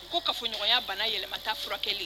Ko ka fɔɲɔgɔnya bana yɛlɛma taa furakɛli